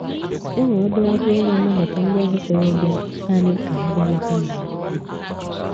E nwere obere akụrụngwa nabata ndị ahụ chọrọ ịbịa naanị ka ha bịa leta mba ahụ.